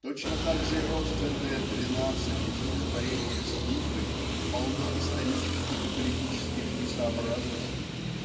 Точно так же и родственное "Двенадцати" стихотворение "Скифы" полно исторических и политических несообразностей.